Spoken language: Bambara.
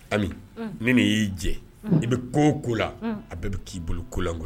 Ami ne y'i jɛ i bɛ ko ko la a bɛɛ bɛ k'i bolo kolan kɔ